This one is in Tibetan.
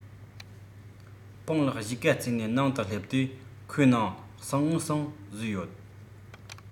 སྤང ལགས གཞིས ཁ རྩེ ནས ནང དུ སླེབས དུས ཁོའི ནང ཟང ངེ ཟིང བཟོས ཡོད